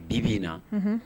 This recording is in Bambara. Bi bi in na Unhun